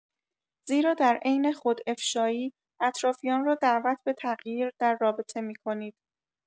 زیرا در عین خودافشایی، اطرافیان را دعوت به تغییر در رابطه می‌کنید.